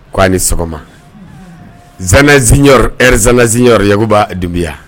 K' a ni sɔgɔma zanzi zanziyyɔrɔyugubadugubiya